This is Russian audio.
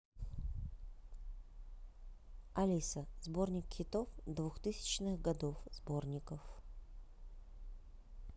алиса сборник хитов двухтысячных годов сборников